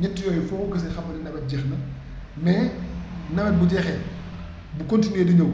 ñett yooyu foo ko gis rekk xamal ni nawet bi jeex na mais nawet bu jeexee bu continué di ñëw